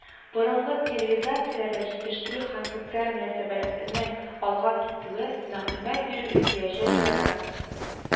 Борынгы цивилизацияләрдә җитештерү һәм социаль мөнәсәбәтләрнең алга китүе мәгълүмат бирү ихтыяҗы тудыра